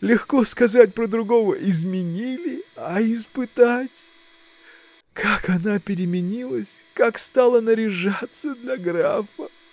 Легко сказать про другого изменили, а испытать?. Как она переменилась! как стала наряжаться для графа!